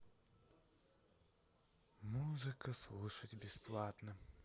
музыка слушать бесплатно